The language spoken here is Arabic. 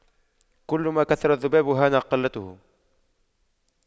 كلما كثر الذباب هان قتله